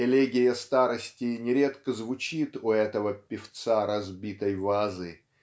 Элегия старости нередко звучит у этого певца разбитой вазы